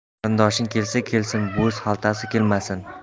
qarindoshing kelsa kelsin bo'z xaltasi kelmasin